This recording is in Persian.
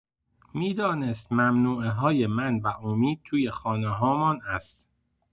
می‌دانست ممنوعه‌های من و امید توی خانه‌هامان است.